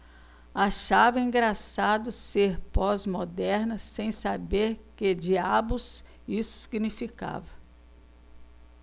achava engraçado ser pós-moderna sem saber que diabos isso significava